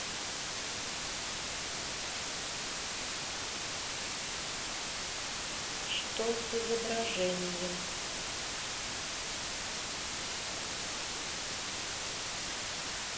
что с изображением